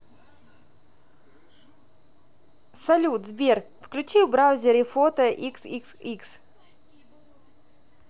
салют сбер включи в браузере фото xxx